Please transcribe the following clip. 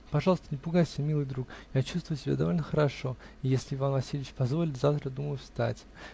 Пожалуйста, не пугайся, милый друг: я чувствую себя довольно хорошо и, если Иван Васильич позволит, завтра думаю встать.